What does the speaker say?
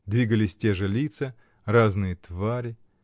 двигались те же лица, разные твари.